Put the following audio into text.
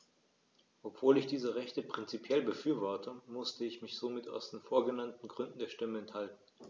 Obwohl ich diese Rechte prinzipiell befürworte, musste ich mich somit aus den vorgenannten Gründen der Stimme enthalten.